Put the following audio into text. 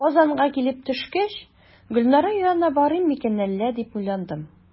Казанга килеп төшкәч, "Гөлнара янына барыйм микән әллә?", дип уйландым.